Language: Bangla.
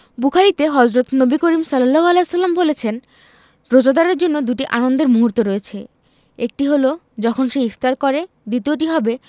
বুখারিতে হজরত নবী করিম সা বলেছেন রোজাদারের জন্য দুটি আনন্দের মুহূর্ত রয়েছে একটি হলো যখন সে ইফতার করে দ্বিতীয়টি হবে